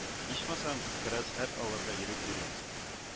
Ичмасам, бераз хәл алырга ирек бирегез